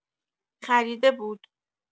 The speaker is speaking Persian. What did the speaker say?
خریده بود